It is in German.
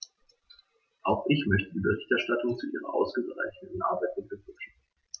Auch ich möchte die Berichterstatterin zu ihrer ausgezeichneten Arbeit beglückwünschen.